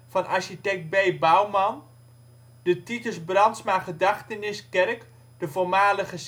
van architect B. Bouwman De Titus Brandsma Gedachteniskerk (voormalige